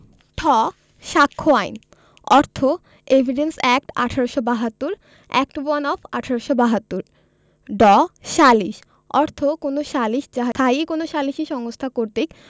ঠ সাক্ষ্য আইন অর্থ evidence act. ১৮৭২ act one of ১৮৭২ ড সালিস অর্থ কোন সালিস যাহা স্থায়ী কোন সালিসী সংস্থা কর্তৃক